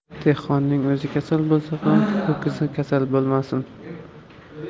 dehqonning o'zi kasal bo'lsa ham ho'kizi kasal bo'lmasin